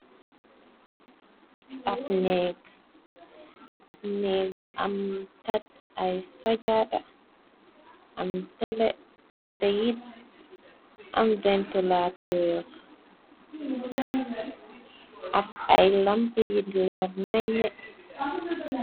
Ab néeg, ab nèeg bu am kat ay sajaada, am tele, ta yit am ventilatër ak ay lamp yu leer nañ.